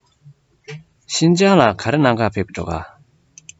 ཤིན ཅང ལ ག རེ གནང ག ཕེབས འགྲོ ག